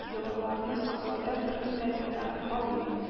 Йолаларны саклауда беркем дә битараф калмый